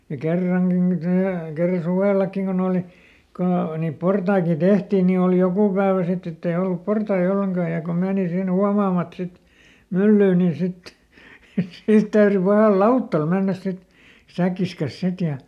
ja kerrankin niin - kerran suvellakin kun oli kun - niin portaitakin tehtiin niin oli joku päivä sitten että ei ollut portaita ollenkaan ja kun meni sinne huomaamatta sitten myllyyn niin sitten niin siitä täytyi pahalla lautalla mennä sitten säkkinsä kanssa sitten ja